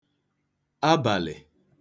abàlị̀